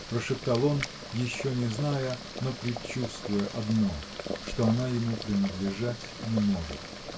— прошептал он, еще не зная, но предчувствуя одно: что она ему принадлежать не может.